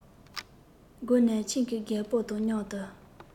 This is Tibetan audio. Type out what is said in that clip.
སྒོ ནས ཁྱིམ གྱི རྒད པོ དང མཉམ དུ